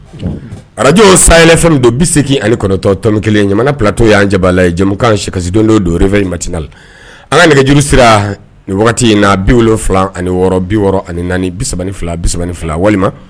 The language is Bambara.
radio saheli FM 89.1 Ɲamana plateau y 'an jabala ye jamumukan si kasisidondo don reveil matinal an ka nɛgɛjuru sira nin wagati N76643232.walima.